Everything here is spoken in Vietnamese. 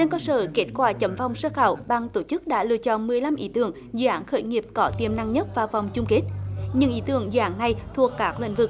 trên cơ sở kết quả chấm vòng sơ khảo ban tổ chức đã lựa chọn mười lăm ý tưởng dự án khởi nghiệp có tiềm năng nhất vào vòng chung kết những ý tưởng dự án hay thuộc các lĩnh vực